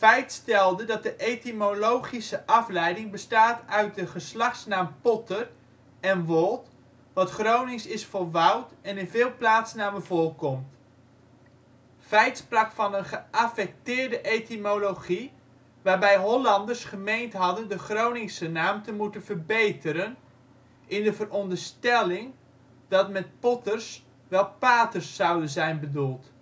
Feith stelde dat de etymologische afleiding bestaat uit de geslachtsnaam " Potter " en " wold " wat Gronings is voor woud en in veel plaatsnamen voorkomt. Feith sprak van een " geaffecteerde etymologie " waarbij Hollanders gemeend hadden de Groningse naam te moeten verbeteren in de veronderstelling dat met potters wel paters zouden zijn bedoeld